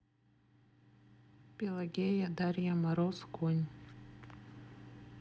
пелагея дарья мороз конь